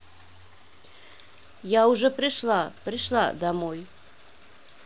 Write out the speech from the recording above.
я уже пришла пришла домой